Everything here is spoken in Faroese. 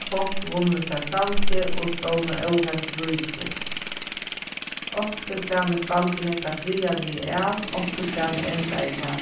fólk vunnið sær frælsi og stovna óheft ríki onkustaðni spældi hetta friðarliga av onkustaðni endaði tað